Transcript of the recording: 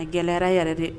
A gɛlɛyayara yɛrɛ dɛ